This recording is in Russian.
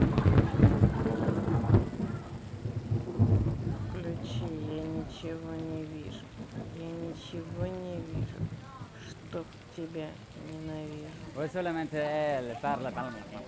включи я ничего не вижу я ничего не вижу чтоб тебя ненавижу